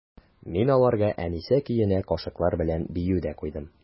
Мин аларга «Әнисә» көенә кашыклар белән бию дә куйдым.